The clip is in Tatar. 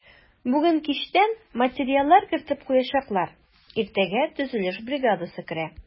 Бүген кичтән материаллар кертеп куячаклар, иртәгә төзелеш бригадасы керә.